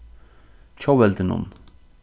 tjóðveldinum